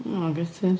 O gutted.